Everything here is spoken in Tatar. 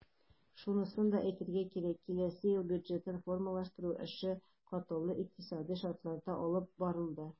Шунысын да әйтергә кирәк, киләсе ел бюджетын формалаштыру эше катлаулы икътисадый шартларда алып барылды.